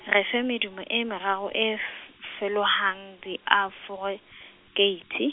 re fe medumo e meraro e f-, fetohang diaforekeithe.